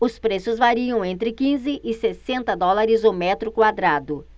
os preços variam entre quinze e sessenta dólares o metro quadrado